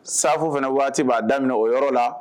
Safo fana waati b'a daminɛ o yɔrɔ la